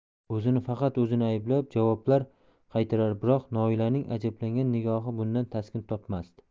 o'zini faqat o'zini ayblab javoblar qaytarar biroq noilaning ajablangan nigohi bundan taskin topmasdi